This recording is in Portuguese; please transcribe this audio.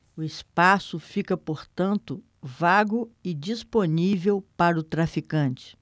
o espaço fica portanto vago e disponível para o traficante